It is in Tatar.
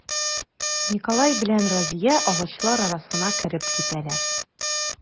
Николай белән Разия агачлар арасына кереп китәләр.